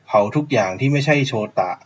เผาทุกอย่างที่ไม่ใช่โชตะ